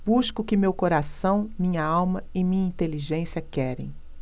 busco o que meu coração minha alma e minha inteligência querem